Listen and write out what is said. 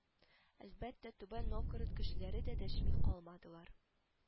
Әлбәттә түбән новгород кешеләре дә дәшми калмадылар